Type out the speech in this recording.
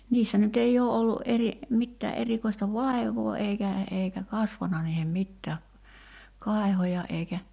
niissä nyt ei ole ollut eri mitään erikoista vaivaa eikä eikä kasvanut niihin mitään kaiheja eikä